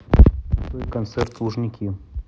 цой концерт лужники